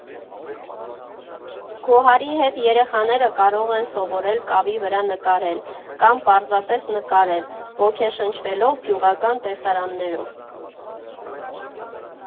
Գոհարի հետ երեխաները կարող են սովորել կավի վրա նկարել կամ պարզապես նկարել՝ ոգեշնչվելով գյուղական տեսարաններով։